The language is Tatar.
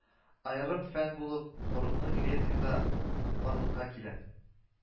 Аерым фән булып Борынгы Грециядә барлыкка килә